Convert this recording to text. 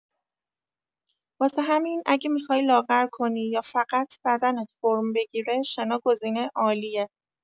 واسه همین اگه می‌خوای لاغر کنی یا فقط بدنت فرم بگیره، شنا گزینه عالیه.